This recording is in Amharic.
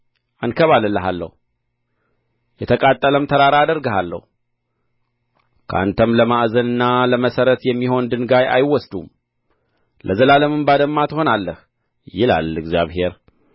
አንከባልልሃለሁ የተቃጠለም ተራራ አደርግሃለሁ ከአንተም ለማዕዘንና ለመሠረት የሚሆን ድንጋይ አይወስዱም ለዘላለምም ባድማ ትሆናለህ ይላል እግዚአብሔር